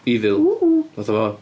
Evil... Woo hoo ...Fatha fo?